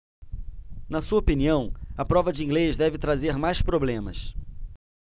na sua opinião a prova de inglês deve trazer mais problemas